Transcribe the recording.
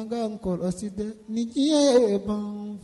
An k'an kɔlɔsi dɛ ni diɲɛ yeban